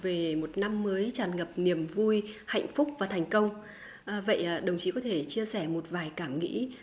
về một năm mới tràn ngập niềm vui hạnh phúc và thành công vậy đồng chí có thể chia sẻ một vài cảm nghĩ